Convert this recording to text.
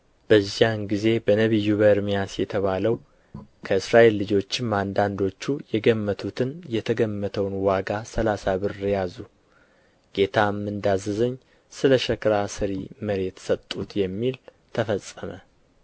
በዚያን ጊዜ በነቢዩ በኤርምያስ የተባለው ከእስራኤል ልጆችም አንዳንዶቹ የገመቱትን የተገመተውን ዋጋ ሠላሳ ብር ያዙ ጌታም እንዳዘዘኝ ስለ ሸክላ ሠሪ መሬት ሰጡት የሚል ተፈጸመ